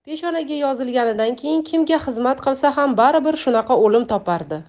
peshonaga yozilganidan keyin kimga xizmat qilsa ham baribir shunaqa o'lim topardi